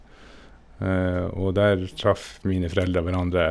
Og der traff mine foreldre hverandre.